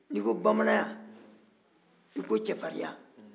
n'i ko bamananya i ko cɛfarinya